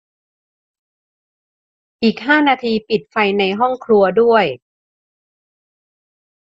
อีกห้านาทีปิดไฟในห้องครัวด้วย